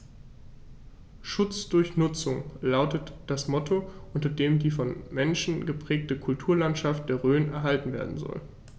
„Schutz durch Nutzung“ lautet das Motto, unter dem die vom Menschen geprägte Kulturlandschaft der Rhön erhalten werden soll.